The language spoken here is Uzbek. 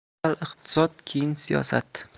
avval iqtisod keyin siyosat